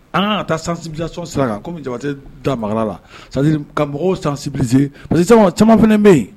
An ka ka taa sanbi sira kɔmi jamabatɛ da maga la ka mɔgɔw san caman fana bɛ yen